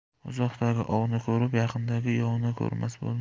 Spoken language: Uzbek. uzoqdagi ovni ko'rib yaqindagi yovni ko'rmas bo'lma